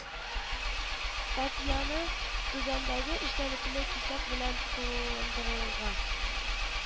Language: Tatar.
Статьяны түбәндәге эчтәлекле кисәк белән тулыландырырга